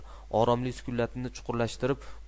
oromli sukunatni chuqurlashtirib